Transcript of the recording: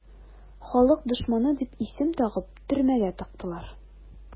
"халык дошманы" дип исем тагып төрмәгә тыктылар.